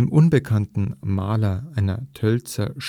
unbekannten Maler einer Tölzer